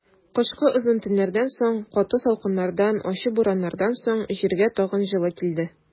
Кышкы озын төннәрдән соң, каты салкыннардан, ачы бураннардан соң җиргә тагын җылы килде.